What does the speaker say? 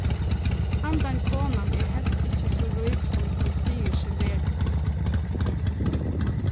handan konan er helst ikki so rík sum hon sigur seg vera